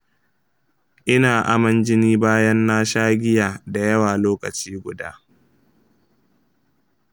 ina aman jini bayan na sha giya da yawa lokaci guda.